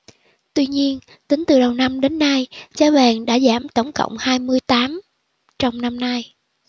tuy nhiên tính từ đầu năm đến nay giá vàng đã giảm tổng cộng hai mươi tám trong năm nay